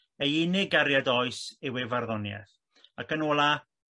ei unig gariad oes yw ei farddoniaeth ac yn ola'.